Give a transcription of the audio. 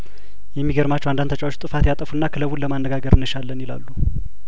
የሚገርማችሁ አንዳንድ ተጫዋቾች ጥፋት ያጠፉና ክለቡን ለማነጋገር እንሻለን ይላሉ